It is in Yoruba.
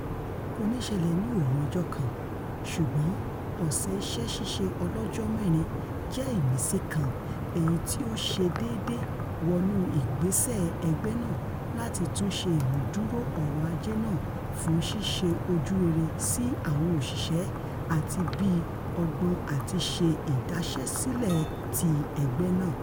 Kòní ṣẹ́lẹ̀ ni òòru ọjọ́ kan ṣùgbọ́n ọ̀sẹ̀ iṣẹ́-ṣíṣe ọlọ́jọ́-mẹ́rin jẹ ìmísí kan èyití ó ṣe déédéé wọnú ìgbéṣẹ̀ ẹgbẹ́ náà láti túnṣe ìmúdúró ọrọ̀-ajé náà fún ṣíṣe ojú rere sí àwọn òṣìṣẹ́ àti bíi ọgbọn-àtiṣe ìdáṣẹ́sílẹ̀ ti ẹgbẹ́ náà.